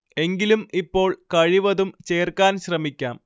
എങ്കിലും ഇപ്പോൾ കഴിവതും ചേർക്കാൻ ശ്രമിക്കാം